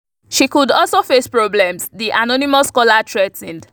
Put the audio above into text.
She could also face problems, the anonymous caller threatened.